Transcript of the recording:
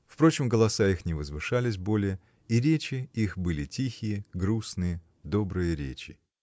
Впрочем, голоса их не возвышались более, и речи их были тихие, грустные, добрые речи.